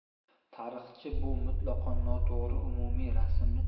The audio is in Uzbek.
tarixchi bu mutlaqo noto'g'ri umumiy rasmni